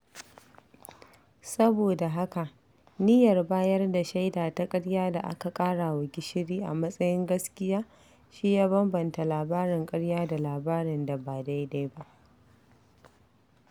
Saboda haka, niyyar bayar da shaida ta ƙarya da aka ƙarawa gishiri a matsayin gaskiya shi ya bambamta labarin ƙarya da labarin da ba daidai ba.